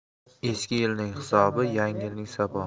eski yilning hisobi yangi yilning sabog'i